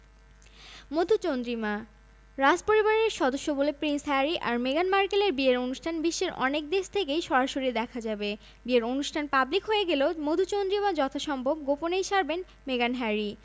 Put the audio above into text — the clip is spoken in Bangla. তবে রাজপ্রাসাদের তথ্য অনুযায়ী বিয়ের পর শিগগিরই হানিমুনে যাচ্ছেন না এই হবু দম্পতি কিন্তু মধুচন্দ্রিমা যাপনে বটসওয়ানা যাওয়ার প্রবল সম্ভাবনা রয়েছে বাগদানের আগেও একবার সেখানে গিয়ে ছুটি কাটিয়ে এসেছেন দুজন